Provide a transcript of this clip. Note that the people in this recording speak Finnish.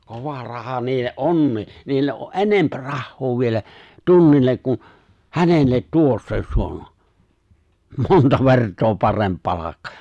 kova raha niille onkin niille on - enempi rahaa vielä tunnille kuin hänelle tuossa jossa on monta vertaa parempi palkka